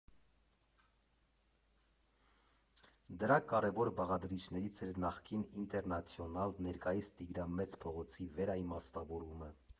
Դրա կարևոր բաղադրիչներից էր նախկին Ինտերնացիոնալ, ներկայիս Տիգրան Մեծ փողոցի վերաիմաստավորումը։